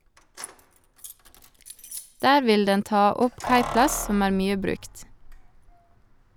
Der ville den ta opp kaiplass som er mye brukt.